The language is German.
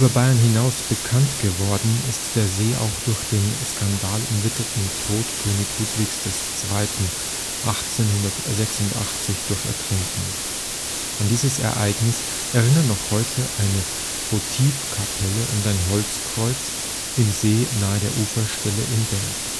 Bayern hinaus bekannt geworden ist der See auch durch den skandalumwitterten Tod König Ludwigs II. 1886 durch Ertrinken. An dieses Ereignis erinnern noch heute eine Votivkapelle und ein Holzkreuz im See nahe der Unfallstelle in Berg